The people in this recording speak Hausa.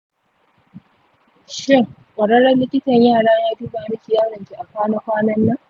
shin kwararren likitan yara ya duba miki yaronki a kwana kwanannan?